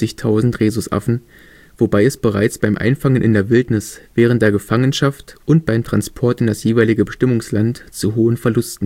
Rhesusaffen, wobei es bereits beim Einfangen in der Wildnis, während der Gefangenschaft und beim Transport in das jeweilige Bestimmungsland zu hohen Verlusten kam